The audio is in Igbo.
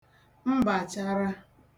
mbàchara